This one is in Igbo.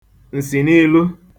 nsìnilu